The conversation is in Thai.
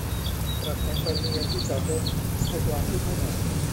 ปรับแสงไฟบริเวณที่จอดรถให้สว่างขึ้นให้หน่อย